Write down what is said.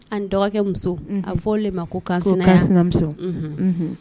An dɔgɔkɛ muso a fɔ de ma ko ka sina sinamuso